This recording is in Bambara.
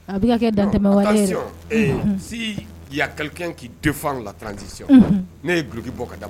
A bɛ kɛ datɛ si ya kalilikɛ k'i denfan latranti ne ye g duloki bɔ ka